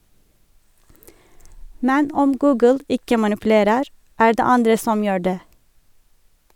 Men om Google ikke manipulerer, er det andre som gjør det.